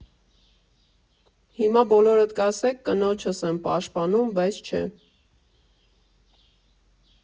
Հիմա բոլորդ կասեք՝ կնոջս եմ պաշտպանում, բայց՝ չէ։